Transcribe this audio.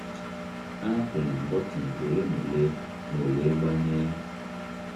Apịrịm bọtịnụ ole na ole ma o wee gbanye